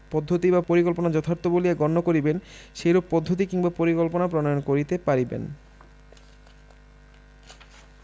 পদ্ধতি বা পরিকল্পনা যথার্থ বলিয়া গণ্য করিবেন সেইরূপ পদ্ধতি কিংবা পরিকল্পনা প্রণয়ন করিতে পারিবেন